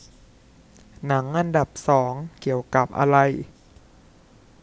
หนังอันดับสองเกี่ยวกับอะไร